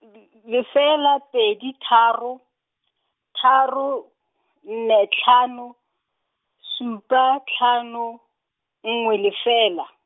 lefela pedi tharo, tharo, nne tlhano, supa tlhano, nngwe lefela.